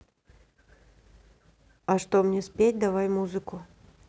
а что мне спеть давай музыку